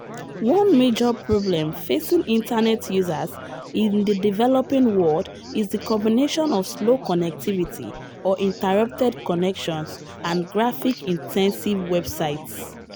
One major problem facing internet users in the developing world is the combination of slow connectivity (or, interrupted connections) and graphic-intensive websites.